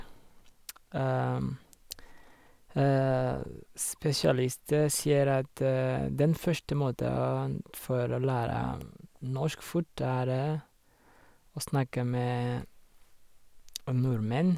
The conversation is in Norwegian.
Spesialister sier at den første måten for å lære norsk fort, er å snakke med en nordmenn.